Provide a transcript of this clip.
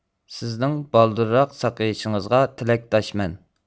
سىزنىڭ بالدۇرراق ساقىيىشىڭىزغا تىلەكداشمەن